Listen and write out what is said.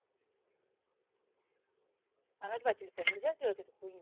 а на два телефона нельзя сделать эту хуйню